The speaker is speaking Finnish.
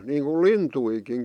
niin kuin lintujakin